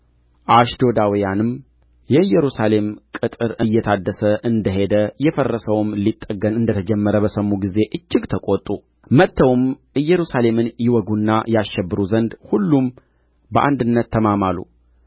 አሽዶዳውያንም የኢየሩሳሌም ቅጥር እየታደሰ እንደ ሄደ የፈረሰውም ሊጠገን እንደ ተጀመረ በሰሙ ጊዜ እጅግ ተቈጡ መጥተውም ኢየሩሳሌምን ይወጉና ያሸብሩ ዘንድ ሁሉም በአንድነት ተማማሉ